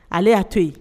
Ale y'a to yen